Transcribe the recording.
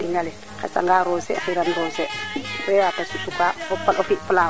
mais mains a reta nga dak bonu suti yo bo ndeet ken njeg na ne refa pertement nun e perdre a ten